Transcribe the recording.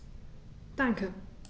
Danke.